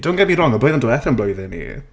Don't get me wrong, oedd blwyddyn diwethaf yn blwyddyn fi.